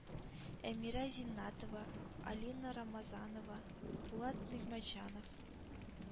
Әмирә Зиннәтова, Алина Рамазанова, Булат Нигъмәтҗанов,